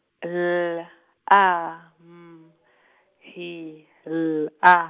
L, A, M , H, L, A.